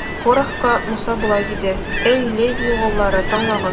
Корахка Муса болай диде: Әй Леви угыллары, тыңлагыз!